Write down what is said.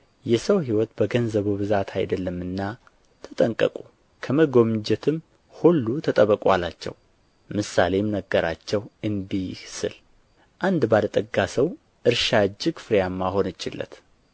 የሰው ሕይወት በገንዘቡ ብዛት አይደለምና ተጠንቀቁ ከመጐምጀትም ሁሉ ተጠበቁ አላቸው ምሳሌም ነገራቸው እንዲህ ሲል አንድ ባለ ጠጋ ሰው እርሻ እጅግ ፍሬያም ሆነችለት